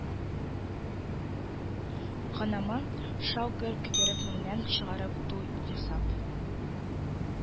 Гынамы, шау-гөр китереп меңнәр чыгарып туй ясап,